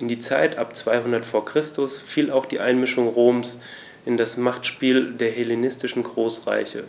In die Zeit ab 200 v. Chr. fiel auch die Einmischung Roms in das Machtspiel der hellenistischen Großreiche: